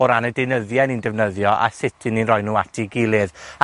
o ran y deunyddie 'yn ni'n defnyddio, a sut 'yn ni'n roi nw at 'i gilydd, a